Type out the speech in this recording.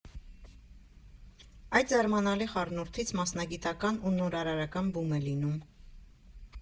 Այդ զարմանալի խառնուրդից մասնագիտական ու նորարարական բում է լինում։